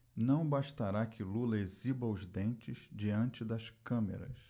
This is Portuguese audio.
não bastará que lula exiba os dentes diante das câmeras